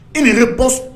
I ni ne kɔ